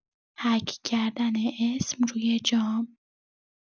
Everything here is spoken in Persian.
حک کردن اسم روی جام